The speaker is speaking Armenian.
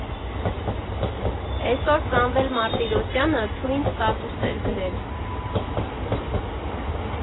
Էսօր Սամվել Մարտիրոսյանը թույն ստատուս էր գրել…